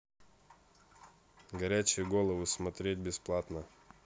горячие головы смотреть бесплатно